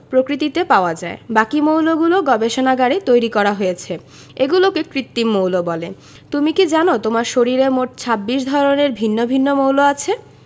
প্রকৃতিতে পাওয়া যায় বাকি মৌলগুলো গবেষণাগারে তৈরি করা হয়েছে এগুলোকে কৃত্রিম মৌল বলে তুমি কি জানো তোমার শরীরে মোট ২৬ ধরনের ভিন্ন ভিন্ন মৌল আছে